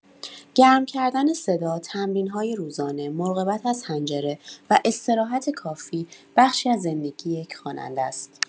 گرم‌کردن صدا، تمرین‌های روزانه، مراقبت از حنجره و استراحت کافی، بخشی از زندگی یک خواننده است.